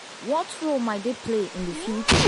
What role might they play in the future?